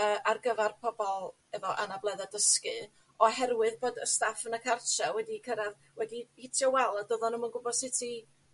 yy ar gyfar pobol efo anabledda dysgu oherwydd bod y staff yn y cartra wedi cyrradd wedi hitio wal a doddon n'w'm yn gwbod sut i